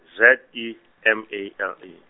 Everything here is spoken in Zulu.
Z E, M A L A.